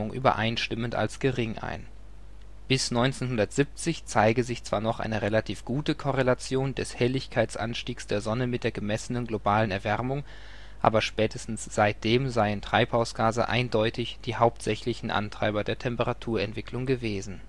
übereinstimmend als gering ein. Bis 1970 zeige sich zwar noch eine relativ gute Korrelation des Helligkeitsanstiegs der Sonne mit der gemessen globalen Erwärmung, aber spätestens seitdem seien Treibhausgase eindeutig die hauptsächlichen Antreiber der Temperaturentwicklung gewesen